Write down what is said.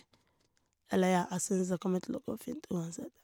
Eller, ja, jeg syns det kommer til å gå fint uansett.